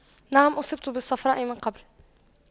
نعم اصبت بالصفراء من قبل